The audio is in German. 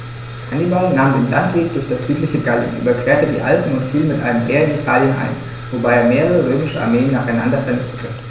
Hannibal nahm den Landweg durch das südliche Gallien, überquerte die Alpen und fiel mit einem Heer in Italien ein, wobei er mehrere römische Armeen nacheinander vernichtete.